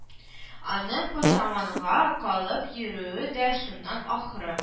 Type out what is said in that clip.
Аның пошаманга калып йөрүе дә шуннан ахры